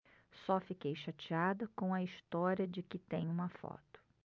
só fiquei chateada com a história de que tem uma foto